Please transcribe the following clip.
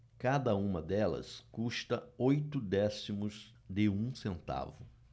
cada uma delas custa oito décimos de um centavo